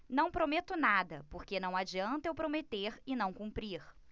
não prometo nada porque não adianta eu prometer e não cumprir